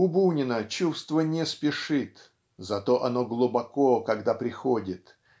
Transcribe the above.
У Бунина чувство не спешит зато оно глубоко когда приходит